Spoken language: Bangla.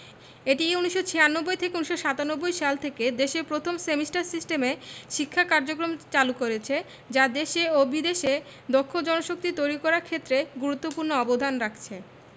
এটি ১৯৯৬ থেকে ৯৭ সাল থেকে দেশের প্রথম সেমিস্টার সিস্টেমে শিক্ষা কার্যক্রম চালু করেছে যা দেশে ও বিদেশে দক্ষ জনশক্তি তৈরি করার ক্ষেত্রে গুরুত্বপূর্ণ অবদান রাখছে